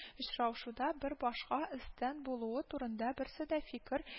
Очраушыда бер башка өстән булуы турында берсе дә фикер